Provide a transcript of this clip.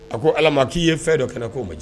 A ko ala ma k'i ye fɛn dɔ kɛnɛ k'o ma